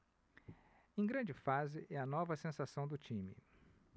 em grande fase é a nova sensação do time